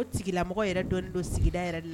O tigiilamɔgɔ yɛrɛ dɔonen don sigida yɛrɛ la.